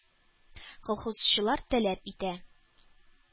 Колхозчылар таләп итә